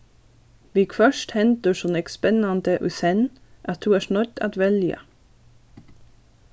viðhvørt hendir so nógv spennandi í senn at tú ert noydd at velja